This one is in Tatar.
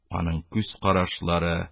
Аның күз карашлары